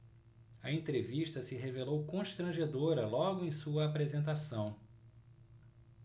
a entrevista se revelou constrangedora logo em sua apresentação